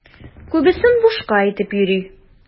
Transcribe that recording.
Күбесен бушка әйтеп йөри.